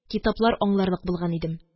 Китаплар аңларлык булган идем.